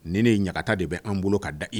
Ni ne ɲagakata de bɛ an bolo ka da i